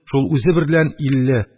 Шул, үзе берлән илле,